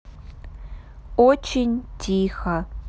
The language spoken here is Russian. очень тихо